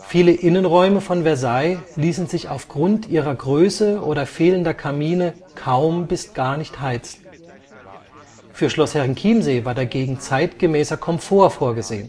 Viele Innenräume von Versailles ließen sich aufgrund ihrer Größe oder fehlender Kamine kaum bis gar nicht heizen, für Schloss Herrenchiemsee war dagegen zeitgemäßer Komfort vorgesehen